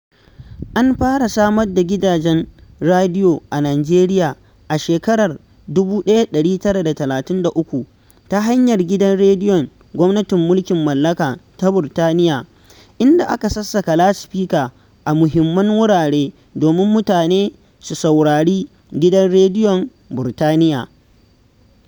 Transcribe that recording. An fara samar da gidajen radiyo a Nijeriya a shekarar 1933, ta hanyar Gidan rediyon Gwamnatin Mulkin Mallaka ta Burtaniya, inda aka sassaka lasifika a muhimman wurare domin mutane su saurari Gidan Rediyon Burtaniya.